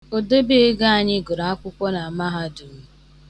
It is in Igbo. Odebeego anyị guru akwụkwọ na mahadum .